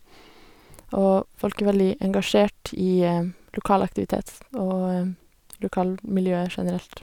Og folk er veldig engasjert i lokal aktivitet og lokalmiljøet generelt.